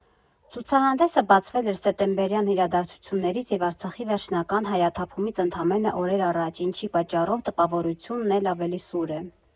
Ցուցահանդեսը բացվել էր սեպտեմբերյան իրադարձություններից և Արցախի վերջնական հայաթափումից ընդամենը օրեր առաջ, ինչի պատճառով տպավորությունն է՛լ ավելի սուր է։